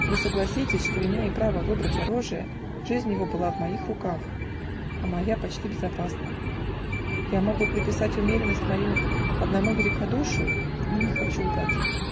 Вы согласитесь, что, имея право выбрать оружие, жизнь его была в моих руках, а моя почти безопасна: я мог бы приписать умеренность мою одному великодушию, но не хочу лгать.